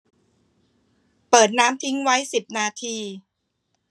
เปิดน้ำทิ้งไว้สิบนาที